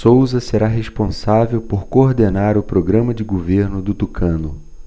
souza será responsável por coordenar o programa de governo do tucano